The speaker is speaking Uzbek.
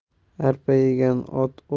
arpa yegan ot o'ynar